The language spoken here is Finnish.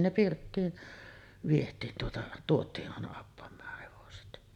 ne pirttiin vietiin tuota tuotiin aina appamaan hevoset